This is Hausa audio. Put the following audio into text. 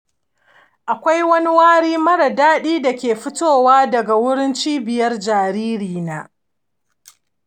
akwai wani wari mara daɗi da ke fitowa daga wurin cibiyar jaririna.